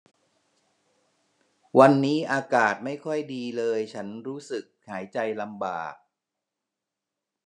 วันนี้อากาศไม่ค่อยดีเลยฉันรู้สึกหายใจลำบาก